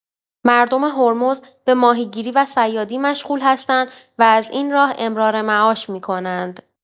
مردم هرمز به ماهیگیری و صیادی مشغول هستند و از این راه امرارمعاش می‌کنند.